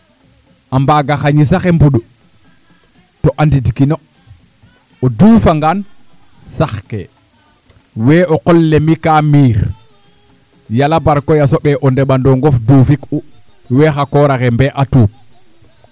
a mbaaga xa ñis a xe mbuɗ to andidkino o duufangaan saxkee we o qol le mi kaa miir yala bar koy a soɓe o ndeɓanoongof duufik'u we xa koor axe mbee a tuup